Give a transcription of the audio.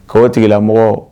Kɔ tigila